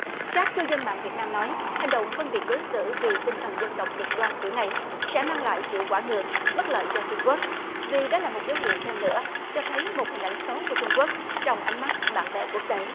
các cư dân mạng việt nam nói hành động phân biệt đối xử vì tinh thần dân tộc cực đoan kiểu này sẽ mang lại hiệu quả ngược bất lợi cho trung quốc vì đó là một dấu hiệu thêm nữa cho thấy một hình ảnh xấu của trung quốc trong ánh mắt bạn bè quốc tế